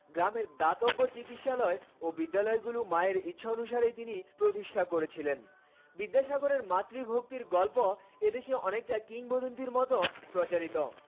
গ্রামে দাতব্য চিকিৎসালয় ও বিদ্যালয়গুলো তিনি মায়ের ইচ্ছা অনুসারে তিনি প্রতিষ্ঠা করেছিলেন বিদ্যাসাগরের মাতৃভক্তির গল্প এদেশের অনেকটা কিংবদন্তির মতো প্রচারিত